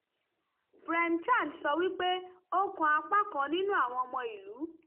Prem Chand sọ wípé ó kan apá kan nínú àwọn ọmọ ìlú: